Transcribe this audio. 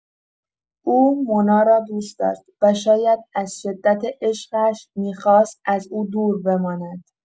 او مونا را دوست داشت و شاید از شدت عشقش می‌خواست از او دور بماند.